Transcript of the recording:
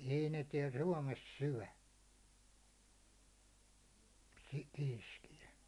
ei ne täällä Suomessa syö - kiiskiä